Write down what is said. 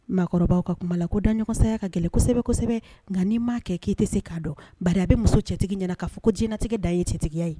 Maakɔrɔbaw ka kumala ko da ɲɔgɔnsaya ka gɛlɛn kosɛbɛ kosɛbɛ nka nii ma kɛ k'i tɛ se k'a dɔn ba a bɛ muso cɛtigi ɲɛna k'a fɔ ko jtigɛ da ye tɛtigiya ye